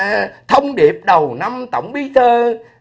ờ thông điệp đầu năm tổng bí thư